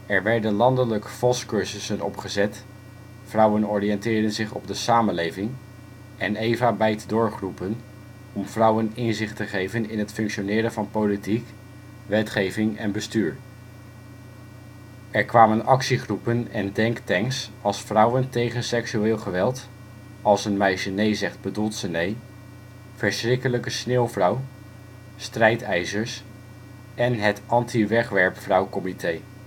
Er werden landelijk VOS-cursussen opgezet, " Vrouwen oriënteren zich op de samenleving ", en Eva Bijt Door-groepen om vrouwen inzicht te geven in het functioneren van politiek, wetgeving en bestuur. Er kwamen actiegroepen en denk tanks als Vrouwen tegen seksueel geweld (" Als een meisje nee zegt bedoelt ze nee "), Verschrikkelijke sneeuwvrouw, Strijdijzers, en het Anti-wegwerpvrouw-comitee